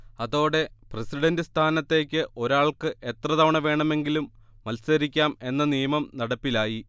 അതോടെ പ്രസിഡന്റ് സ്ഥാനത്തേക്ക് ഒരാൾക്ക് എത്രതവണ വേണമെങ്കിലും മത്സരിക്കാം എന്ന നിയമം നടപ്പിലായി